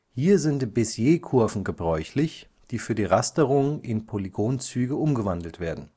Hier sind Bézierkurven gebräuchlich, die für die Rasterung in Polygonzüge umgewandelt werden